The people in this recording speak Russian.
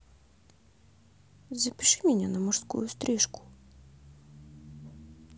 запиши меня на мужскую стрижку